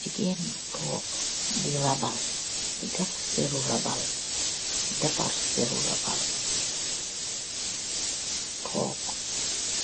Jigeen bu tokk, di rabal, didef cherru rabal tokk